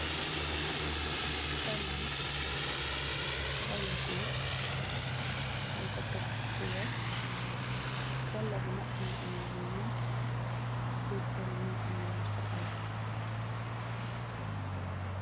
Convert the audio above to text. Dala la dala gorr munko tek si kaw lu weex mu am lo chochola.